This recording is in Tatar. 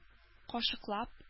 Кашыклап